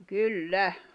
kyllä